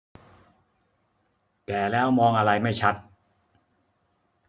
แก่แล้วมองอะไรไม่ชัด